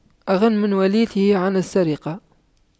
أغن من وليته عن السرقة